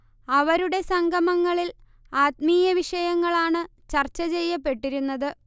അവരുടെ സംഗമങ്ങളിൽ ആത്മീയവിഷയങ്ങളാണ് ചർച്ചചെയ്യപ്പെട്ടിരുന്നത്